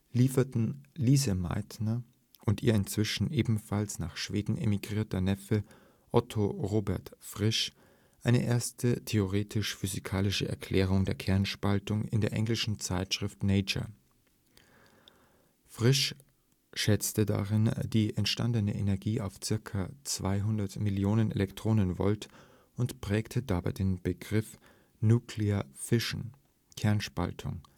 lieferten Lise Meitner und ihr inzwischen ebenfalls nach Schweden emigrierter Neffe Otto Robert Frisch eine erste theoretisch-physikalische Erklärung der Kernspaltung in der englischen Zeitschrift Nature. Frisch schätzte darin die entstehende Energie auf ca. 200 Millionen Elektronenvolt und prägte dabei den Begriff „ nuclear fission “(Kernspaltung